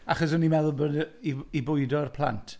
Achos o'n i'n meddwl bod i bw- bwydo'r plant.